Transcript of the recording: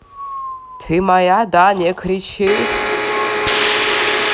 ты моя да не кричи